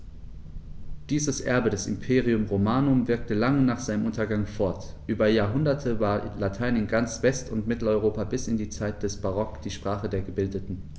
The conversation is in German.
Dieses Erbe des Imperium Romanum wirkte lange nach seinem Untergang fort: Über Jahrhunderte war Latein in ganz West- und Mitteleuropa bis in die Zeit des Barock die Sprache der Gebildeten.